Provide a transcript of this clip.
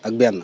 ak benn